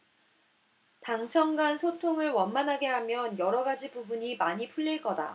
당청간 소통을 원만하게 하면 여러가지 부분이 많이 풀릴거다